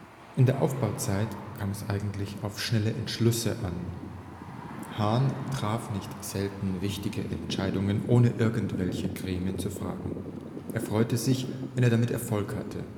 In der Aufbauzeit kam es gelegentlich auf schnelle Entschlüsse an. Hahn traf nicht selten wichtige Entscheidungen, ohne irgendwelche Gremien zu fragen. Er freute sich, wenn er damit Erfolg hatte